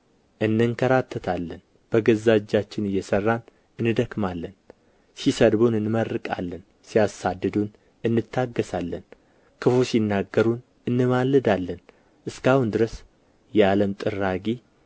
እንንከራተታለን በገዛ እጃችን እየሠራን እንደክማለን ሲሰድቡን እንመርቃለን ሲያሳድዱን እንታገሣለን ክፉ ሲናገሩን እንማልዳለን እስከ አሁን ድረስ የዓለም ጥራጊ